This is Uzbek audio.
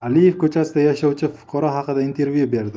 aliyev ko'chasida yashovchi fuqaro haqida interyu berildi